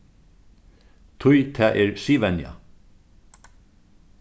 tí tað er siðvenja